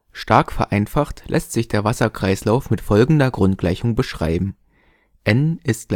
Stark vereinfacht lässt sich der Wasserkreislauf mit folgender Grundgleichung beschreiben: N = A + V {\ displaystyle N = A+V \,} Der